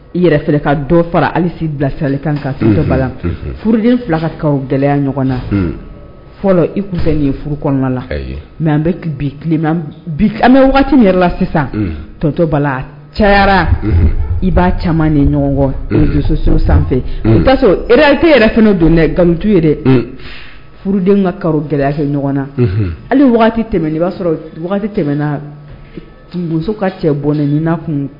Faraden gɛlɛya ɲɔgɔn na fɔlɔ i kɔnɔna mɛ an yɛrɛ la sisan tto bala cayara i b'a caman ni ɲɔgɔn donso sanfɛ tɛ yɛrɛ fana don nkalontu ye furuden ka ka gɛlɛya kɛ ɲɔgɔn na ale wagati tɛm i b'a sɔrɔ tɛmɛna ka cɛ bɔnɛina kun